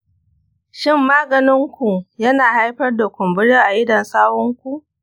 shin, maganin ku yana haifar da kumburi a idon sawun ku?